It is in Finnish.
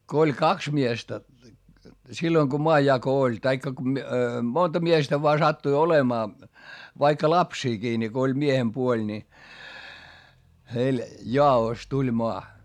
kun oli kaksi miestä silloin kun maanjako oli tai kun - monta miestä vain sattui olemaan vaikka lapsiakin niin kun oli miehenpuoli niin heille jaossa tuli maa